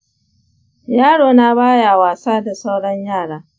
yarona ba ya wasa da sauran yara